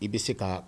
I bɛ se ka